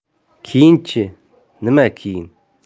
keyinchi nima keyin